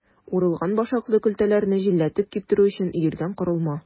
Урылган башаклы көлтәләрне җилләтеп киптерү өчен өелгән корылма.